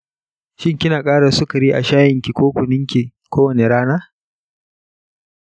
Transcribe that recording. shin kina ƙara sukari a shayin ki ko kunun ki kowace rana?